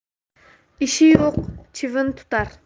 ishi yo'q chivin tutar